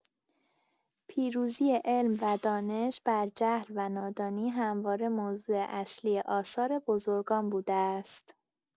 پیروزی علم و دانش بر جهل و نادانی همواره موضوع اصلی آثار بزرگان بوده است.